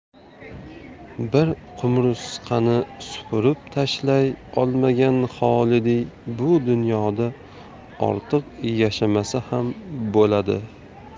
bir qumursqani supurib tashlay olmagan xolidiy bu dunyoda ortiq yashamasa ham bo'ladi